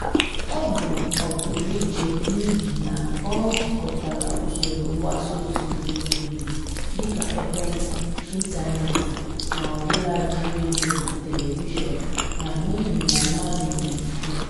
Ọ bụ ọpụrụiche n'ihi na ọ jịkọtara usoro mgbasaozi mbụ niile, dịka ekwentị, ịntaneetị, ma ọbụladị redio na televishọn, ma n'ihi na mmadụ nwere ike: 1.